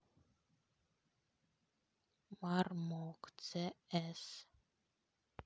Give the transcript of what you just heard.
marmok cs